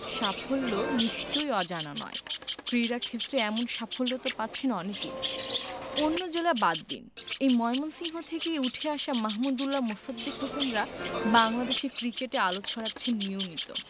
সাফল্য নিশ্চয়ই অজানা নয় ক্রীড়াক্ষেত্রে এমন সাফল্য তো পাচ্ছেন অনেকেই অন্য জেলা বাদ দিন এ ময়মনসিংহ থেকেই উঠে আসা মাহমুদউল্লাহ মোসাদ্দেক হোসেনরা বাংলাদেশ ক্রিকেটে আলো ছড়াচ্ছেন নিয়মিত